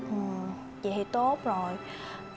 ờ vậy thì tốt rồi